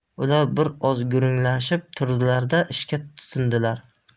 ular bir oz gurunglashib turdilar da ishga tutindilar